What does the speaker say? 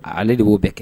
Ale de b'o bɛɛ kɛ